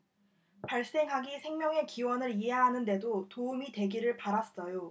발생학이 생명의 기원을 이해하는 데도 도움이 되기를 바랐어요